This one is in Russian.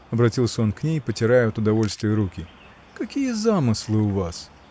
— обратился он к ней, потирая от удовольствия руки. — Какие замыслы у вас?